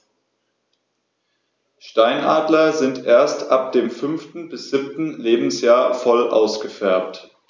Steinadler sind erst ab dem 5. bis 7. Lebensjahr voll ausgefärbt.